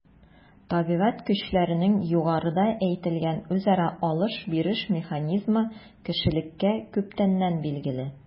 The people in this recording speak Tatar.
Табигать көчләренең югарыда әйтелгән үзара “алыш-биреш” механизмы кешелеккә күптәннән билгеле.